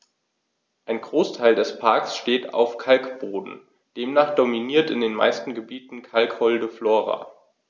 Ein Großteil des Parks steht auf Kalkboden, demnach dominiert in den meisten Gebieten kalkholde Flora.